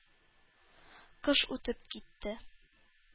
Кыш үтеп китте.